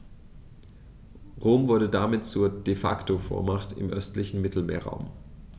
Rom wurde damit zur ‚De-Facto-Vormacht‘ im östlichen Mittelmeerraum.